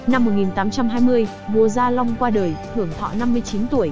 năm vua gia long qua đời hưởng thọ tuổi